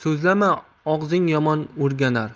so'zlama og'zing yomon o'rganar